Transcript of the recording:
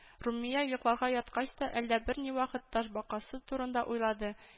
Румия йокларга яткачта әлдә бер ни вакыт, ташбакасы турында уйлады